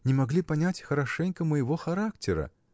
не могли понять хорошенько моего характера.